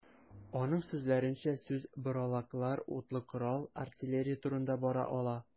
Аның сүзләренчә, сүз боралаклар, утлы корал, артиллерия турында бара ала.